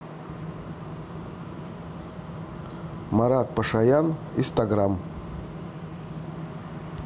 марат пашаян инстаграм